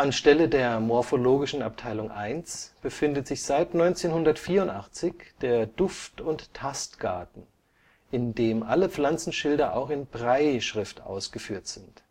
Stelle der „ Morphologischen Abteilung I “befindet sich seit 1984 der „ Duft - und Tastgarten “, in dem alle Pflanzenschilder auch in Brailleschrift ausgeführt sind